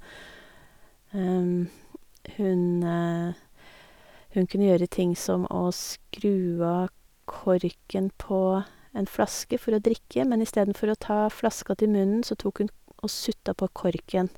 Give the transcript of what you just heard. hun Hun kunne gjøre ting som å skru av korken på en flaske for å drikke, men istedenfor å ta flaska til munnen, så tok hun og sutta på korken.